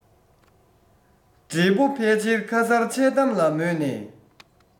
བགྲེས པོ ཕལ ཆེར ཁ མཚར འཆལ གཏམ ལ མོས ནས